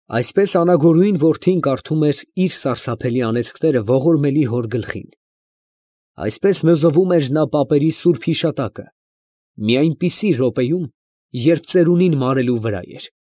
Այսպես անագորույն որդին կարդում էր իր սարսափելի անեծքները ողորմելի հոր գլխին, այսպես նզովում էր նա պապերի սուրբ հիշատակը, մի այնպիսի րոպեում, երբ ծերունին մարելու վրա էր։